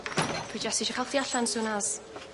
Dwi jyst isio ca'l chdi allan soon as.